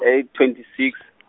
eight twenty six.